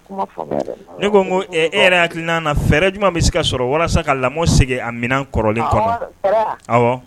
Ne ko ko e yɛrɛ hakili n' fɛɛrɛ ɲuman bɛ se ka sɔrɔ walasa ka lamɔ segin a minɛn kɔrɔlen kɔnɔ